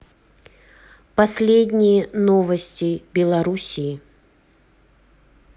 последние новости белоруссии